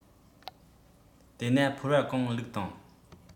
དེ ན ཕོར བ གང བླུགས དང